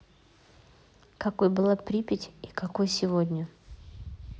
какой была припять и какой сегодня